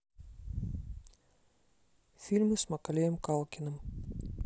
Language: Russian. фильмы с маколеем калкиным